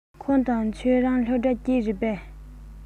ཁོང དང ཁྱོད རང སློབ གྲྭ གཅིག རེད པས